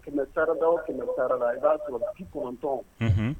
Kɛmɛda o kɛmɛ taara la i b'a la ci kɔntɔn